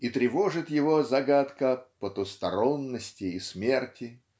и тревожит его загадка потусторонности и смерти